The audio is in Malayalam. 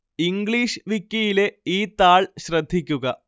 ഇംഗ്ലീഷ് വിക്കിയിലെ ഈ താൾ ശ്രദ്ധിക്കുക